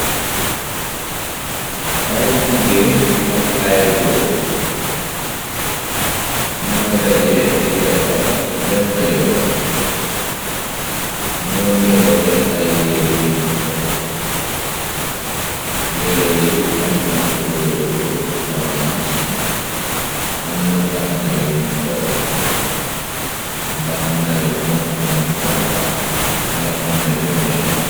ay jigéen ak ay góor ñoo daje di defar ben na yoon ñoo nirole ay yre yuñ sol yëre yi am na kulooru orange amna mbax na yuñ sol bax nayu xonxu ñu qa ak mbax nayu nete.